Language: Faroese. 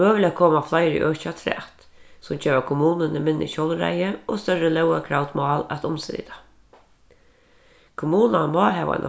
møguliga koma fleiri øki afturat sum geva kommununi minni sjálvræði og størri lógarkravd mál at umsita kommunan má hava eina